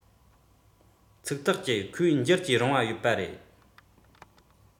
ཚིག ཐག བཅད ཁོས འགྱུར གྱིས རིང བ ཡོད པ རེད